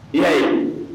I y'a ye